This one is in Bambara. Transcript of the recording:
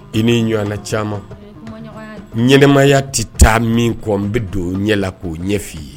I n'i ɲɔana caman o ye kumaɲɔgɔnya de ɲɛnɛmaya te taa min kɔ n be don o ɲɛ la k'o ɲɛ f'i ye